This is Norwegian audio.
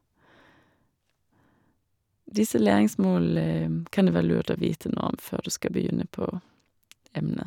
Disse læringsmål kan det være lurt å vite noe om før du skal begynne på emnet.